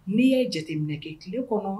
N'i ye jateminɛ kɛ tile kɔnɔ